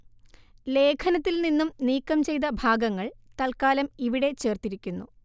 ലേഖനത്തില്‍ നിന്നും നീക്കം ചെയ്ത ഭാഗങ്ങള്‍ തല്‍ക്കാലം ഇവിടെ ചേര്‍ത്തിരിക്കുന്നു